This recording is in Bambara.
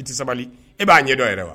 Tɛ sabali e b'a ɲɛ dɔ yɛrɛ wa